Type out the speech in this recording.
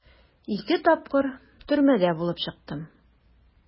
Ике тапкыр төрмәдә булып чыктым.